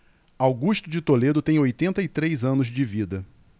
augusto de toledo tem oitenta e três anos de vida